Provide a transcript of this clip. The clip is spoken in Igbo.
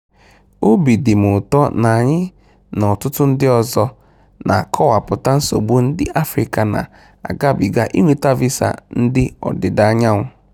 Obi dị m ụtọ na anyị na ọtụtụ ndị ọzọ na-akọwapụta nsogbu ndị Afrịka na-agabịga ịnweta visa ndị ọdịdaanyanwụ.